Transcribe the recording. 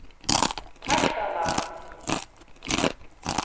tartalág